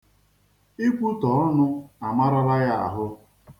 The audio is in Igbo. Ikwutọ ọnụ amarala ya ahụ.